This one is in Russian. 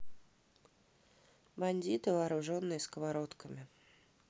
бандиты вооруженные сковородками